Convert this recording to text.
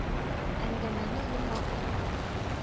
Әңгәмәне йомгаклыйк.